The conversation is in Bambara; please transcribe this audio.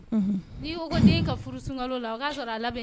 N furu la